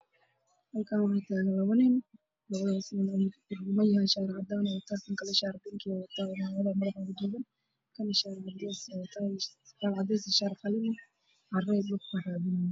Halkaan wax taagan labo nin wax wataan shaatiyaal mid buluug ah iyo mid binki ah